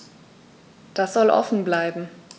Das soll offen bleiben.